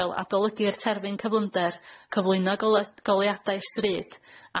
fel adolygu'r terfyn cyflymder, cyflwyno gole- goleuadau stryd,